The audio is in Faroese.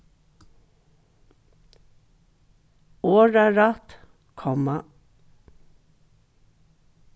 orðarætt komma